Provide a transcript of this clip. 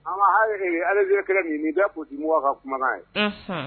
An ma ha aliz kɛlɛ nin nin da'o di ka kuma ye